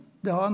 det har han.